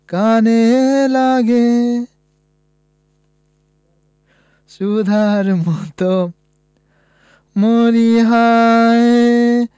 কানে লাগে সুধার মতো মরিহায়